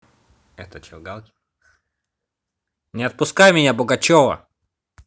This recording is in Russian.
не отпускай меня пугачева